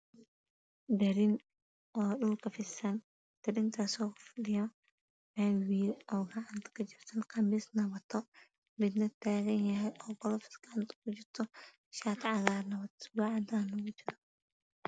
Darin ku fidsan oo ku fadhiyaa shaati cagaar wato surwaal cadaan wato